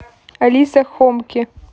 алиса хомки